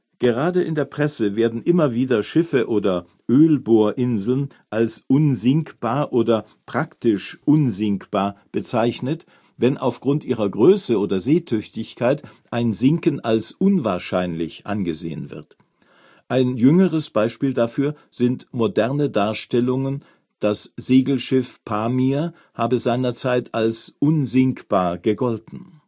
Gerade in der Presse werden immer wieder Schiffe oder Ölbohrinseln als unsinkbar oder praktisch unsinkbar bezeichnet, wenn aufgrund ihrer Größe oder Seetüchtigkeit ein Sinken als unwahrscheinlich angesehen wird. Ein jüngeres Beispiel dafür sind moderne Darstellungen, das Segelschiff Pamir habe seinerzeit als unsinkbar gegolten